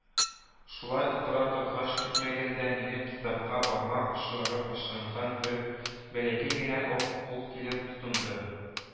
Шулай утыра торгач, көтмәгәндә минем китапка бармак очлары пычранган бер бәләкәй генә ак кул килеп тотынды